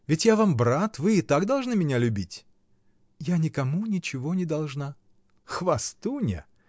ведь я вам брат: вы и так должны меня любить. — Я никому ничего не должна. — Хвастунья!